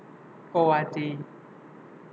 โกวาจี